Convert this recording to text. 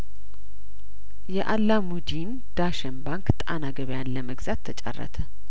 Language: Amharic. የአላሙዲን ዳሸን ባንክ ጣና ገበያን ለመግዛት ተጫረተ